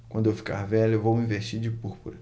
quando eu ficar velha vou me vestir de púrpura